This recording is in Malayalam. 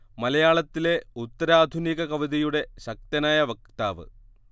മലയാളത്തിലെ ഉത്തരാധുനിക കവിതയുടെ ശക്തനായ വക്താവ്